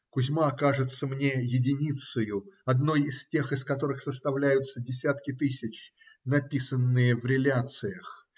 Кузьма кажется мне единицею, одной из тех, из которых составляются десятки тысяч, написанные в реляциях.